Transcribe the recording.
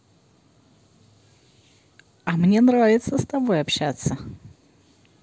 а мне нравится с тобой общаться